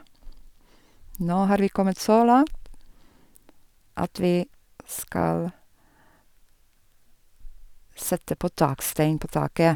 Nå har vi kommet så langt at vi skal sette på takstein på taket.